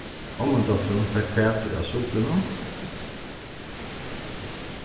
ommudóttirin fekk fatur á sukrinum